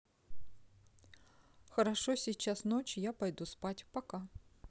хорошо сейчас ночь я пойду спать пока